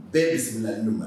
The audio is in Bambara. Bɛɛ bisimila' ma